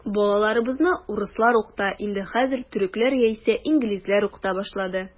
Балаларыбызны урыслар укыта, инде хәзер төрекләр яисә инглизләр укыта башлады.